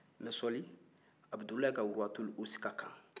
n bɛ sɔli abudulayi ka ruwatul uska kan